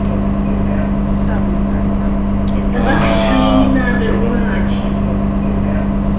это вообще не надо значит